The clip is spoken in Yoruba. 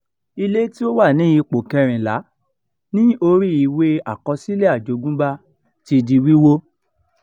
Ilé tí ó wà ní ipò.14 ní orí ìwé àkọsílẹ̀ àjogúnbá ti di wíwó.